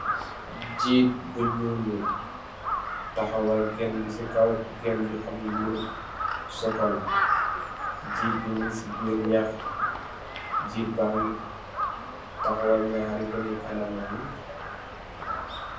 Njeet bu nyul la takawal genam bi ci kaw gen bi am lu sokolar njeet bi mung ci birr nyax njeet ba ngi takawal nyarri bonni kanamam wi.